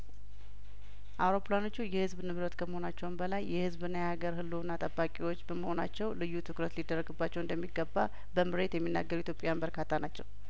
አውሮፕላኖቹ የህዝብ ንብረት ከመሆ ናቸውም በላይ የህዝብና የሀገር ህልውና ጠባቂዎች በመሆናቸው ልዩ ትኩረት ሊደረግባቸው እንደሚገባ በምሬት የሚናገሩ ኢትዮጵያውያን በርካታ ናቸው